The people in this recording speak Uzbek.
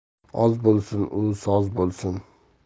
oz bo'lsin u soz bo'lsin